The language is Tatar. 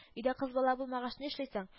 Өйдә кыз бала булмагач нишлисең